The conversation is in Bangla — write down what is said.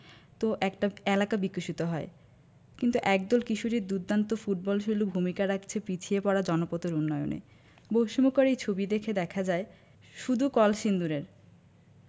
তো একটা এলাকা বিকশিত হয় কিন্তু একদল কিশোরীর দুর্দান্ত ফুটবলশৈলী ভূমিকা রাখছে পিছিয়ে পড়া জনপদের উন্নয়নে বস্ময়কর এই ছবি দেখা যায় শুধু কলসিন্দুরে